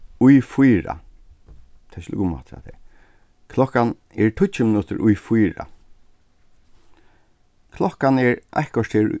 í fýra taki líka umaftur hatta har klokkan er tíggju minuttir í fýra klokkan er eitt korter